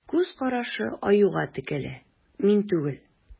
Күз карашы Аюга текәлә: мин түгел.